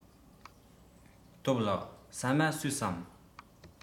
སྟོབས ལགས ཟ མ ཟོས སམ